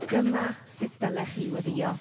Dyma sut dylech chi weddïo.